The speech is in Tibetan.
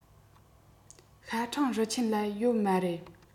ཞ ཁྲེང རུ ཆེན ལ ཡོད མ རེད